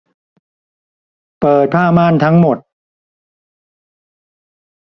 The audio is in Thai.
เปิดผ้าม่านทั้งหมด